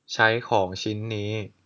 ใช้ของชิ้นนี้